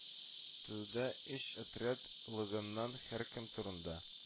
Тәүдә өч отряд лыгыннан һәркем турында